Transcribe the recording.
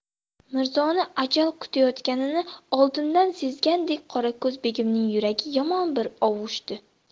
mirzoni ajal kutayotganini oldindan sezgandek qorako'z begimning yuragi yomon bir uvushdi